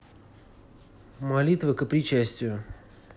молитвы ко причастию